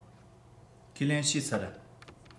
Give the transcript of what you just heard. ཁས ལེན བྱས ཚར